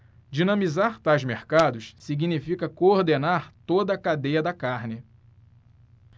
dinamizar tais mercados significa coordenar toda a cadeia da carne